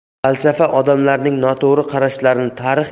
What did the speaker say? falsafa odamlarning noto'g'ri qarashlarini tarix